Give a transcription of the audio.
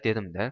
dedim da